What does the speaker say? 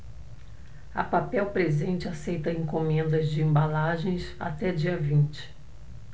a papel presente aceita encomendas de embalagens até dia vinte